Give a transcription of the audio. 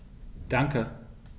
Danke.